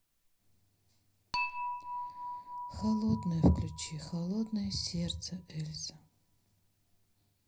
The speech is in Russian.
холодное включи холодное сердце эльза